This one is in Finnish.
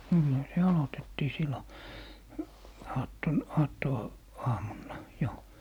niinhän se aloitettiin silloin -- aattoaamuna jo